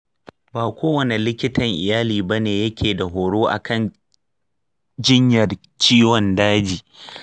ba kowani likitan iyali bane ya keda horo akan jinyar ciwon daji.